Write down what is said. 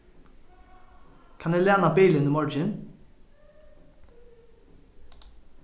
kann eg læna bilin í morgin